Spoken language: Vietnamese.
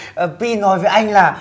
ờ pi nói với anh là